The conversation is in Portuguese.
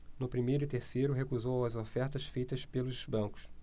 no primeiro e terceiro recusou as ofertas feitas pelos bancos